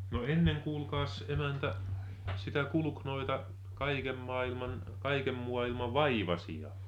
no ennen kuulkaas emäntä sitä kulki noita kaiken maailman kaiken maailman vaivaisia